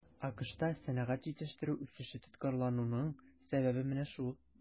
АКШта сәнәгать җитештерүе үсеше тоткарлануның сәбәбе менә шул.